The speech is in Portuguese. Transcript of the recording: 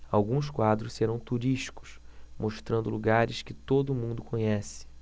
alguns quadros serão turísticos mostrando lugares que todo mundo conhece